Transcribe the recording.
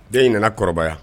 Den in nana kɔrɔbaya